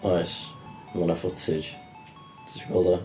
Oes, ma' na footage, ti isio gweld o?